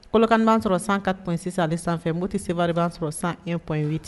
Kɔlɔkan b'a sɔrɔ san ka sisan ale sanfɛ mo tɛ seri'a sɔrɔ sanpti